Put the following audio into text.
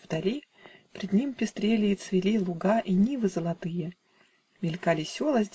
Вдали Пред ним пестрели и цвели Луга и нивы золотые, Мелькали селы